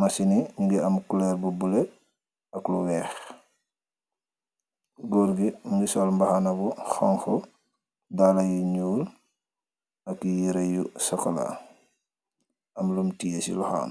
Masini ñiu ngi am kuloor bu bulo ak lu weex. góorgi mu ngi sol mbaxana bu xoñxa, daala yi njuul ak yire yu sokolaa am lum tiye ci loxoom.